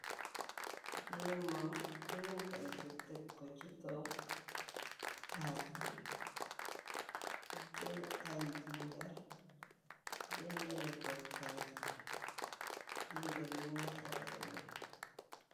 Lemong bunu dagg tekko ci kaw caas bi dël ay ji njar dendale ko caas bi di njar yuñu xoallewul.